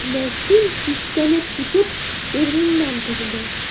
Нәсим, сискәнеп китеп, урыныннан торды.